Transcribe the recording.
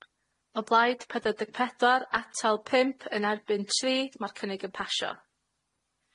O blaid, pedwar deg pedwar. Atal, pump. Yn erbyn, tri. Ma'r cynnig yn pasio.